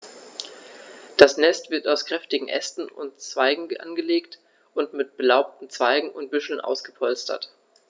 Das Nest wird aus kräftigen Ästen und Zweigen angelegt und mit belaubten Zweigen und Büscheln ausgepolstert.